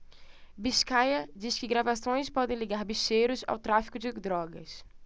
biscaia diz que gravações podem ligar bicheiros ao tráfico de drogas